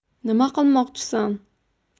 nima qilmoqchisan